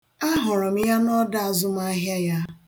Ahụrụ m ya n'ọdọ azụmahịa ya.